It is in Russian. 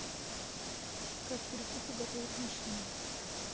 как перекупы готовят машины